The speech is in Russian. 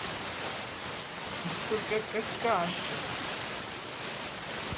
сколько какашек